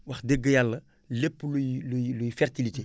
wax dëgg yàlla lépp luy luy luy fertilité